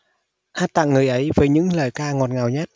hát tặng người ấy với những lời ca ngọt ngào nhất